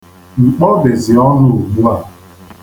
Mkpọ dịzị onụ ugbua.